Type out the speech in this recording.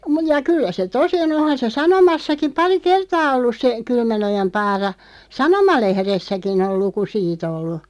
- ja kyllä se tosi on onhan se sanomassakin pari kertaa ollut se Kylmänojan Paara sanomalehdessäkin on luku siitä ollut